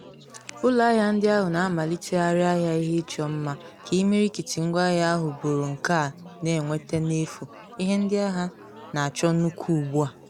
Ụlọ ahịa ndị ahụ na amalitegharị ahịa ihe ịchọ mma, ka imirikiti ngwaahịa ahụ bụrụ nke a na-enwete n'efu - ihe ndị ahịa na-achọ nnukwu ugbua.